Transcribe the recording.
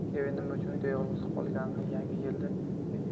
kevin nima uchun uyda yolg'iz qolgandi